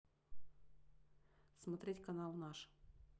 смотреть канал наш